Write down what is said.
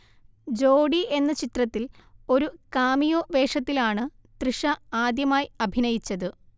ജോഡി എന്ന ചിത്രത്തിൽ ഒരു കാമിയോ വേഷത്തിലാണ് തൃഷ ആദ്യമായി അഭിനയിച്ചത്